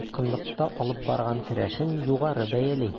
тоткынлыкта алып барган көрәшен югары бәяли.